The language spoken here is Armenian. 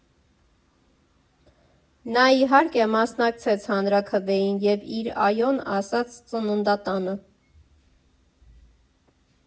Նա, իհարկե, մասնակցեց հանրաքվեին և իր «Այո»֊ն ասաց ծննդատանը։